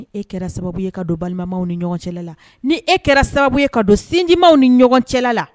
E kɛra sababu ye ka don balimaw ni ɲɔgɔn cɛla la ni, e kɛra sababu ye ka don sinjiw ni ɲɔgɔn cɛla la